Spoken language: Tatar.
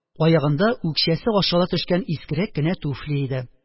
Аягында үкчәсе ашала төшкән искерәк кенә туфли иде.